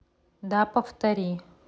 да повтори